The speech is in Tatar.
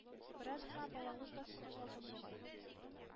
Бераз гына балавыз да сыгып алдым бугай.